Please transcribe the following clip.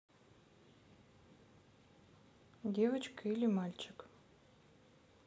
девочка или мальчик